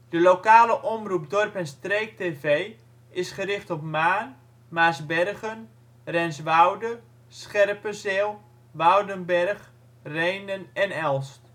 De lokale omroep Dorp en streek tv, is gericht op Maarn, Maarsbergen, Renswoude, Scherpenzeel, Woudenberg, Rhenen en Elst